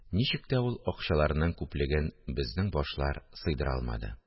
Ничек тә ул акчаларның күплеген безнең башлар сыйдыра алмады